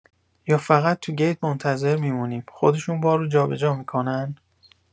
یا فقط تو گیت منتظر می‌مونیم خودشون بار رو جابجا می‌کنن؟